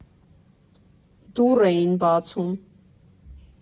Դուռ էին բացում։